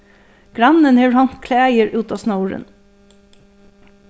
grannin hevur hongt klæðir út á snórin